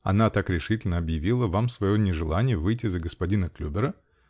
-- Она так решительно объявила вам свое нежелание выйти за господина Клюбера?